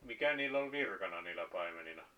mikä niillä oli virkana niillä paimenina